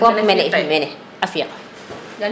fop mene mene a fiiqa